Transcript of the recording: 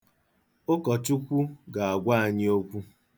Ụkọchukwu ga-agwa anyị okwu.